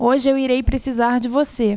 hoje eu irei precisar de você